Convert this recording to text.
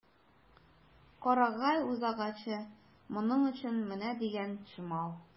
Карагай үзагачы моның өчен менә дигән чимал.